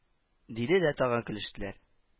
— диде дә тагы көлештеләр